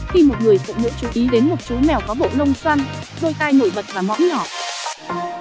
khi một người phụ nữ chú ý đến một chú mèo có bộ lông xoăn đôi tai nổi bật và mõm nhỏ